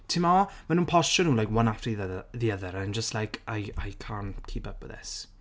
Timod? Maen nhw'n postio nhw one after the ddother- the other and I'm just like I-I can't keep up with this.